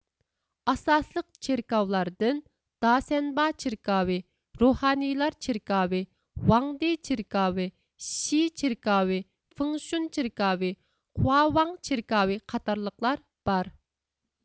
ئاساسلىق چېركاۋلاردىن داسەنبا چېركاۋى روھانىلار چېركاۋى ۋاڭدى چېركاۋى شى چېركاۋى فىڭشۇن چېركاۋى خۋاۋاڭ چېركاۋى قاتارلىقلار بار